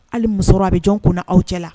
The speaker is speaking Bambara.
Hali musɔrɔ a bi jɔn kunna aw cɛla la?